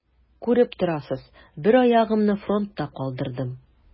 Күреп торасыз: бер аягымны фронтта калдырдым.